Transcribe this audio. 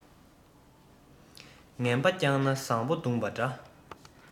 ངན པ བསྐྱངས ན བཟང པོ བརྡུངས པ འདྲ